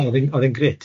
O'dd e o'dd e'n grêt.